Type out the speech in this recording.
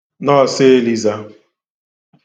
nọọ̄sụ elizā